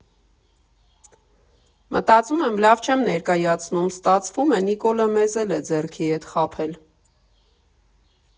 Մտածում եմ՝ լավ չեմ ներկայացնում, ստացվում է՝ Նիկոլը մեզ էլ է ձեռքի հետ խաբել։